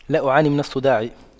لا أعاني من الصداع